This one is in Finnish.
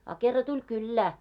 a kerran tuli kylään